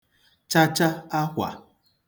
cha(cha) akwà